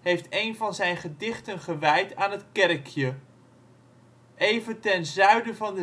heeft een van zijn gedichten gewijd aan het kerkje. Even ten zuiden van